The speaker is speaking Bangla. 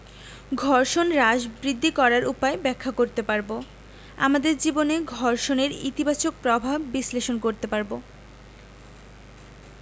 ঘর্ষণ হ্রাস বৃদ্ধি করার উপায় ব্যাখ্যা করতে পারব আমাদের জীবনে ঘর্ষণের ইতিবাচক প্রভাব বিশ্লেষণ করতে পারব